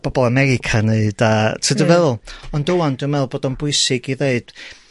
bobol America'n neud a... T'od dwi feddwl... Ie. ...ond ŵan dwi me'wl bod o'n bwysig i ddeud